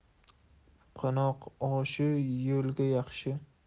qo'noq oshi yo'lga yaxshi